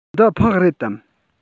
འདི ཕག རེད དམ